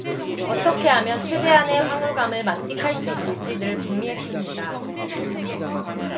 어떻게 하면 최대한의 황홀감을 만끽할 수 있을지 늘 궁리했습니다